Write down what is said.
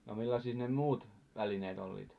no millaisia ne muut välineet olivat